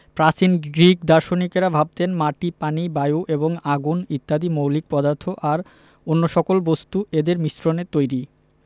প্রাচীন গ্রিক দার্শনিকেরা ভাবতেন মাটি পানি বায়ু এবং আগুন ইত্যাদি মৌলিক পদার্থ আর অন্য সকল বস্তু এদের মিশ্রণে তৈরি